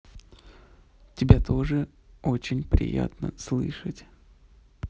тебя тоже очень приятно слышать